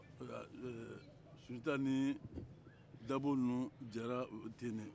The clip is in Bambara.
ɛɛ sunjata ni dabɔ ninnu jɛra ten de